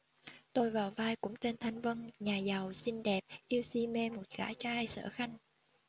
tôi vào vai cũng tên thanh vân nhà giàu xinh đẹp yêu si mê một gã trai sở khanh